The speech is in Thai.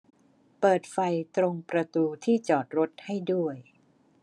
เปิดไฟตรงประตูที่จอดรถให้ด้วย